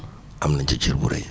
am nañ ci cër bu rëy